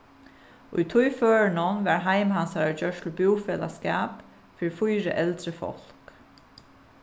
í tí førinum var heim hansara gjørt til búfelagsskap fyri fýra eldri fólk